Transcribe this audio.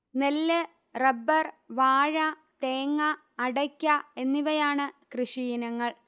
നെല്ല് റബ്ബർ വാഴ തേങ്ങ അടയ്ക്ക എന്നിവയാണ് കൃഷിയിനങ്ങൾ